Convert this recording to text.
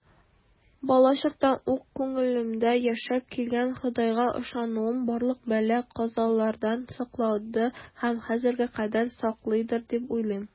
Балачактан ук күңелемдә яшәп килгән Ходайга ышануым барлык бәла-казалардан саклады һәм хәзергә кадәр саклыйдыр дип уйлыйм.